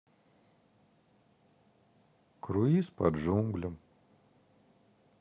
круиз по джунглям